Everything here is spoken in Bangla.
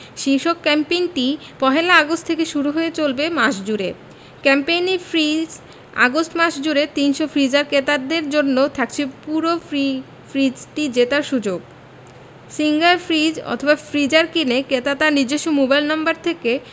শীর্ষক ক্যাম্পেইনটি প্রহেলা আগস্ট থেকে শুরু হয়ে চলবে মাস জুড়ে ক্যাম্পেইনে ফ্রিজ আগস্ট মাস জুড়ে ৩০০ ফ্রিজার ক্রেতাদের জন্য থাকছে পুরো ফ্রি ফ্রিজটি জেতার সুযোগ সিঙ্গার ফ্রিজ অথবা ফ্রিজার কিনে ক্রেতা তার নিজস্ব মোবাইল নম্বর থেকে